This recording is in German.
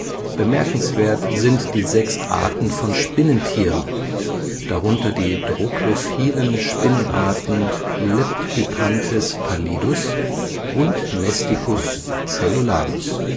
Bemerkenswert sind die sechs Arten von Spinnentieren, darunter die troglophilen Spinnenarten Lepthyphantes pallidus und Nesticus cellulanus